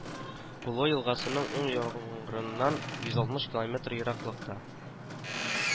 Кулой елгасының уң ягырыннан йөз алтмыш километр ераклыкта